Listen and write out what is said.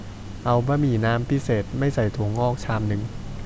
เอาบะหมี่น้ำพิเศษไม่ใส่ถั่วงอกชามนึง